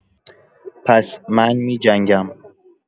پس من می‌جنگم.